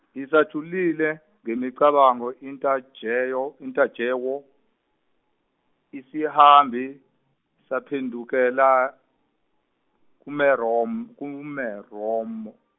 isajulile ngemicabango intajeyo intajewo isihambi saphendukela kuMerom- uMeromo.